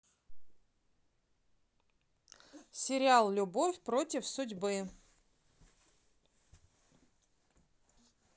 сериал любовь против судьбы